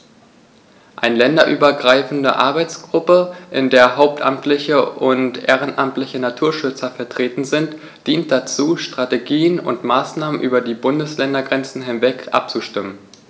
Eine länderübergreifende Arbeitsgruppe, in der hauptamtliche und ehrenamtliche Naturschützer vertreten sind, dient dazu, Strategien und Maßnahmen über die Bundesländergrenzen hinweg abzustimmen.